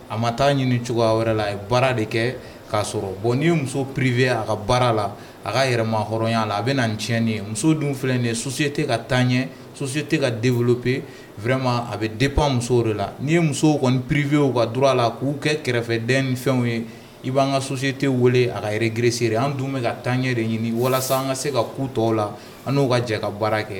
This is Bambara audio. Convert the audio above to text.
A ma taa ɲini cogoya wɛrɛ la ye baara de kɛ k'a sɔrɔ bɔn n'i ye muso priirifeye a ka baara la a ka yɛrɛma hɔrɔnya a la a bɛ na tiɲɛni ye muso dun filɛ nin ye sosoye tɛ ka taa ɲɛ soso tɛ ka den wolo pema a bɛ den pan musow de la' ye muso kɔni pirifeyew ka dɔrɔn a la k'u kɛ kɛrɛfɛ den ni fɛnw ye i b'an ka soso tɛ wele a ka yɛrɛ gsire an dun bɛ ka taaɲɛ de ɲini walasa an ka se ka'u tɔw la n'ou ka jɛ ka baara kɛ